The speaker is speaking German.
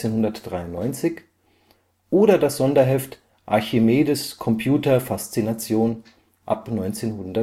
10/1993) oder das Sonderheft „ Archimedes Computer-Faszination “(ab 1993). In